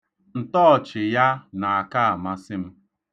Ntọọchị ya na-aka amasị m.